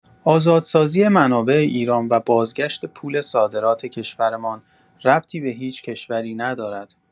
آزادسازی منابع ایران و بازگشت پول صادرات کشورمان ربطی به هیچ کشوری ندارد.